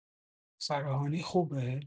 فراهانی خوبه